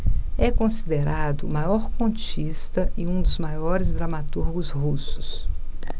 é considerado o maior contista e um dos maiores dramaturgos russos